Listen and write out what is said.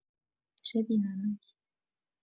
چه بی‌نمک